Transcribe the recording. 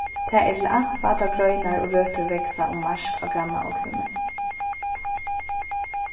tað er til ampa tá greinar og røtur vaksa um mark á grannaognini